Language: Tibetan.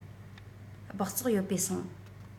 སྦགས བཙོག ཡོད པའི སོང